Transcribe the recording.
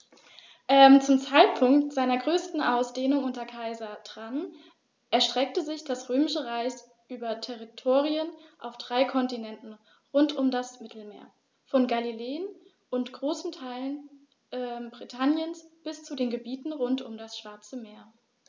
Zum Zeitpunkt seiner größten Ausdehnung unter Kaiser Trajan erstreckte sich das Römische Reich über Territorien auf drei Kontinenten rund um das Mittelmeer: Von Gallien und großen Teilen Britanniens bis zu den Gebieten rund um das Schwarze Meer.